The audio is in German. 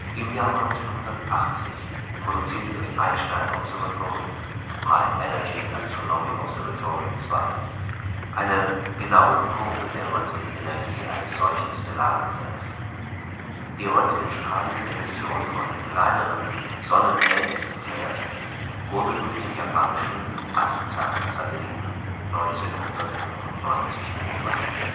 Im Jahr 1980 produzierte das Einstein Observatory (High Energy Astronomy Observatory 2) eine genaue Kurve der Röntgenenergie eines solchen stellaren Flares. Die Röntgenstrahlenemission von kleineren, sonnenähnlichen Flares wurden durch den japanischen ASCA Satelliten 1995 beobachtet